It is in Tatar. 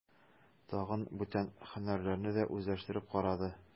Тагын бүтән һөнәрләрне дә үзләштереп карады.